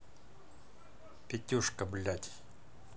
петюшка блядь